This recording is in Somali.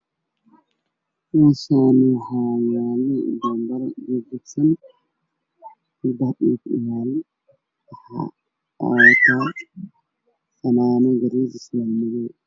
Waa boonbalo kalirkiisii haye caddaan fanaanad cadaan ayaa ku jirto meeshii u yaalla waa miyi darbiga wacdaan